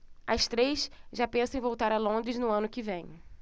as três já pensam em voltar a londres no ano que vem